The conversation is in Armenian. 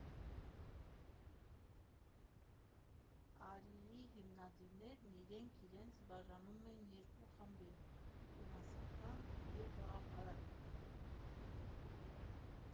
«Արիի» հիմնադիրներն իրենք իրենց բաժանում են երկու խմբի՝ ֆինանսական և գաղափարական։